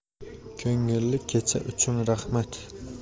ko'ngilli kecha uchun rahmat